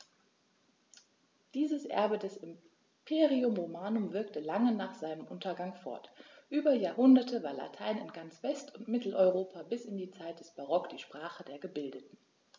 Dieses Erbe des Imperium Romanum wirkte lange nach seinem Untergang fort: Über Jahrhunderte war Latein in ganz West- und Mitteleuropa bis in die Zeit des Barock die Sprache der Gebildeten.